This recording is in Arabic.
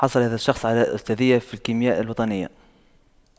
حصل هذا الشخص على الأستاذية في الكيمياء الوطنية